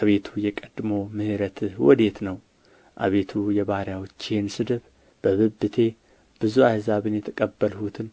አቤቱ የቀድሞ ምሕረትህ ወዴት ነው አቤቱ የባሪያዎችህን ስድብ በብብቴ ብዙ አሕዛብን የተቀበልሁትን